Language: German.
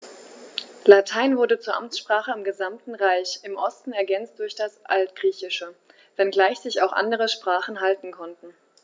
Latein wurde zur Amtssprache im gesamten Reich (im Osten ergänzt durch das Altgriechische), wenngleich sich auch andere Sprachen halten konnten.